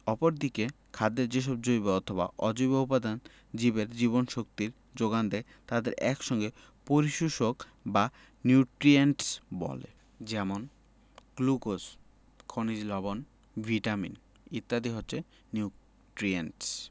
অপরদিকে খাদ্যের যেসব জৈব অথবা অজৈব উপাদান জীবের জীবনীশক্তির যোগান দেয় তাদের এক সঙ্গে পরিপোষক বা নিউট্রিয়েন্টস বলে যেমন গ্লুকোজ খনিজ লবন ভিটামিন ইত্যাদি হচ্ছে নিউট্রিয়েন্টস